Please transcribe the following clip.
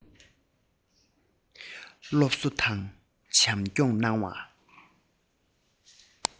སློབ གསོ དང བྱམས སྐྱོང གནང བ